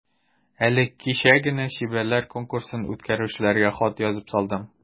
Әле кичә генә чибәрләр конкурсын үткәрүчеләргә хат язып салдым.